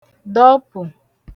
dọpù